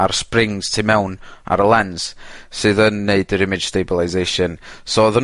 ar springs tu mewn ar y lens, sydd yn neud yr image stabilisation. So oddan